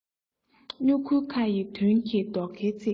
སྨྱུ གུའི ཁ ཡི དོན གྱི རྡོ ཁའི ཚིག